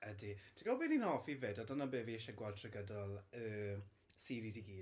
Ydy, ti'n gwybod be fi'n hoffi 'fyd, a dyna be fi isie gweld drwy gydol y series i gyd...